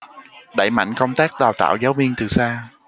đẩy mạnh công tác đào tạo giáo viên từ xa